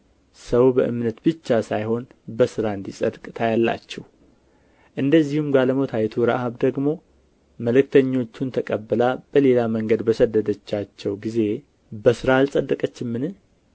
ሰው በእምነት ብቻ ሳይሆን በሥራ እንዲጸድቅ ታያላችሁ እንደዚሁም ጋለሞታይቱ ረዓብ ደግሞ መልእክተኞቹን ተቀብላ በሌላ መንገድ በሰደደቻቸው ጊዜ በሥራ አልጸደቀችምን